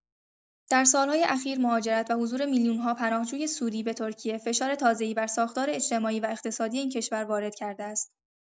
در سال‌های اخیر مهاجرت و حضور میلیون‌ها پناهجوی سوری به ترکیه، فشار تازه‌ای بر ساختار اجتماعی و اقتصادی این کشور وارد کرده است.